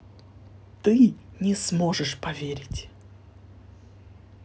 ты не сможешь поверить